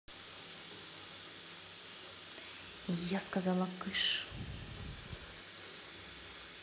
я сказала кыш